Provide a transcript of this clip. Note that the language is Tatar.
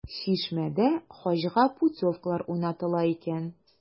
“чишмә”дә хаҗга путевкалар уйнатыла икән.